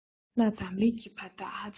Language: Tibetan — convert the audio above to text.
སྣ དང མིག གི བར ཐག ཧ ཅང ཉེ